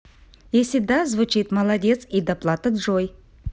если да звучит молодец и доплата джой